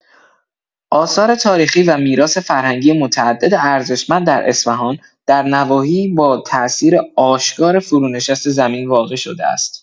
آثار تاریخی و میراث‌فرهنگی متعدد ارزشمند در اصفهان در نواحی با تاثیر آشکار فرونشست زمین واقع‌شده است.